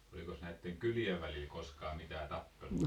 olikos näiden kylien välillä koskaan mitään tappeluita